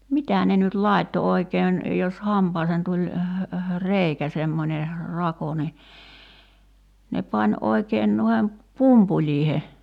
mitä ne nyt laittoi oikein jos hampaaseen tuli reikä semmoinen rako niin ne pani oikein noiden pumpuleiden